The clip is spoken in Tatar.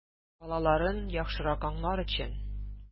Балаларын яхшырак аңлар өчен!